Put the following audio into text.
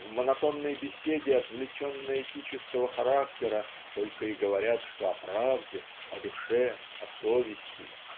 в монотонной беседе отвлеченно-этического характера только и говорят что о правде о душе о совести.